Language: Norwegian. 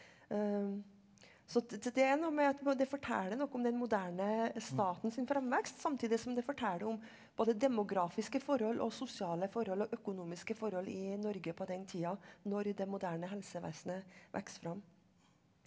så det er noe med at det forteller noe om den moderne staten sin fremvekst samtidig som det forteller om både demografiske forhold og sosiale forhold og økonomiske forhold i Norge på den tida når det moderne helsevesenet vokser fram.